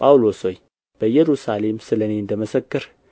ጳውሎስ ሆይ በኢየሩሳሌም ስለ እኔ እንደ መሰከርህ